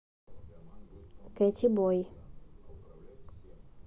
katy бой